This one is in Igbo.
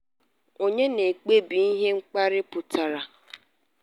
Onye na-ekpebi ihe mkparị pụtara?